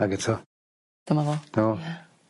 ag eto... Dyma fo. Dyma fo. Ia.